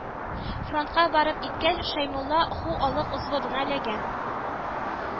Фронтка барып иткәч Шәймулла ху алык взводына эләгә